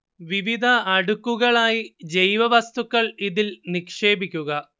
വിവിധ അടുക്കുകളായി ജൈവവസ്തുക്കൾ ഇതിൽ നിക്ഷേപിക്കുക